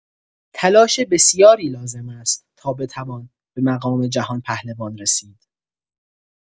تلاش بسیاری لازم است تا بتوان به مقام جهان‌پهلوان رسید.